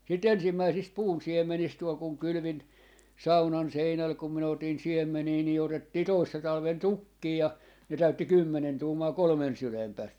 siitä ensimmäisistä puunsiemenistä tuolla kun kylvin saunan seinälle kun minä otin siemeniä niin otettiin toissa talvena tukkeja ja ne täytti kymmenen tuumaa kolmen sylen päästä